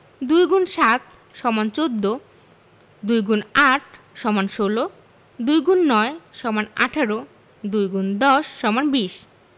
২ X ৭ = ১৪ ২ X ৮ = ১৬ ২ X ৯ = ১৮ ২ ×১০ = ২০